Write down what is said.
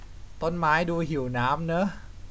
ต้นไม้ดูหิวน้ำเนอะ